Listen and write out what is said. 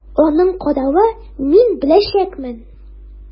Аның каравы, мин беләчәкмен!